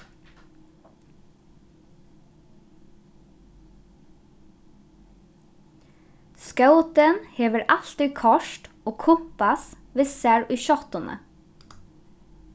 skótin hevur altíð kort og kumpass við sær í skjáttuni